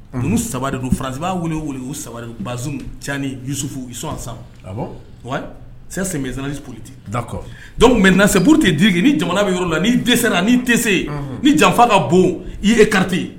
Ninnu sabari don farasiba wili weele u sabaliri ba canisufu sɔn sa wa sɛ sɛti da dɔw m seuru tɛ diki ni jamana bɛ yɔrɔ la ni dɛsɛsena ni dɛsɛse yen ni janfa ka bon i ye karata